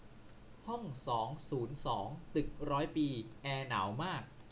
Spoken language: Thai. ห้องสองศูนย์สองตึกร้อยปีแอร์หนาวมาก